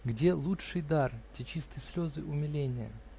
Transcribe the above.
где лучший дар -- те чистые слезы умиления?